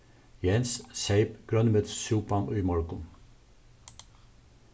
jens seyp grønmetissúpan í morgun